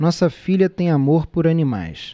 nossa filha tem amor por animais